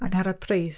Angharad Price